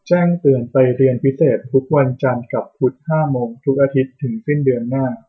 แจ้งเตือนไปเรียนพิเศษทุกวันจันทร์กับพุธห้าโมงทุกอาทิตย์ถึงสิ้นเดือนหน้า